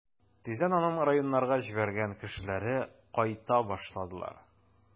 Тиздән аның районнарга җибәргән кешеләре кайта башладылар.